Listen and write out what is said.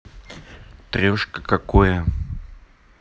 трешка какое